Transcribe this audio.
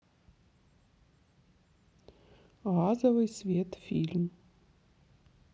газовый свет фильм